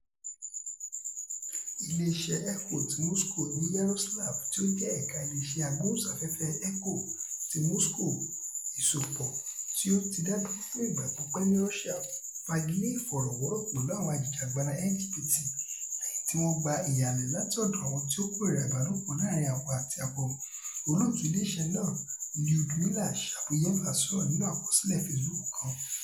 Ilé-iṣẹ́ Echo ti Moscow ní Yaroslavl tí ó jẹ́ ẹ̀ka ilé-iṣẹ́ Agbóhùnsáfẹ́fẹ́ Echo ti Moscow ìsopọ̀ tí ó ti dá dúró fún ìgbà pípẹ́ ní Russia fagi lé ìfọ̀rọ̀wọ́rọ̀ pẹ̀lú àwọn ajìjàǹgbara LGBT lẹ́yìn tí wọ́n gba ìhalẹ̀ láti ọ̀dọ̀ àwọn tí ó kórìíra-ìbálòpọ̀-láàárín-akọ-àti-akọ, olóòtú ilé-iṣẹ́ náà Lyudmila Shabuyeva sọ̀rọ̀ nínú àkọsílẹ̀ Facebook kan: